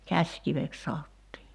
käsikiveksi sanottiin